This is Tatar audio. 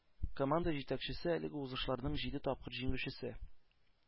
Команда җитәкчесе, әлеге узышларның җиде тапкыр җиңүчесе